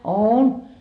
on